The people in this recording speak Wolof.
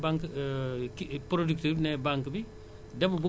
donc là mën naa am banque bi mën na am du la ko laaj